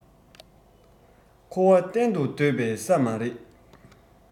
འཁོར བ གཏན དུ སྡོད པའི ས མ རེད